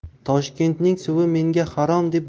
toshkentning suvi menga harom